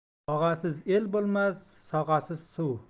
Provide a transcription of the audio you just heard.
og'asiz el bo'lmas sog'asiz suv